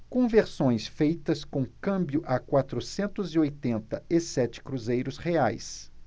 conversões feitas com câmbio a quatrocentos e oitenta e sete cruzeiros reais